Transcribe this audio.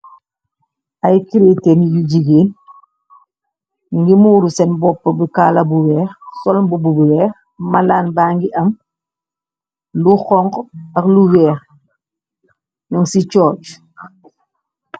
Ay créten yu jigeen nu ngi muoru seen bopp bi kaala bu weeh sol mbuba bu weeh, malaan ba ngi am lu honku ak lu weeh ñung ci church.